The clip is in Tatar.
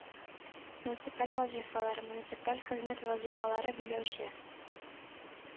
Муниципаль вазыйфалар, муниципаль хезмәт вазыйфалары биләүче